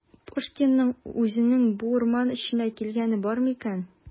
Пушкинның үзенең бу урман эченә килгәне бармы икән?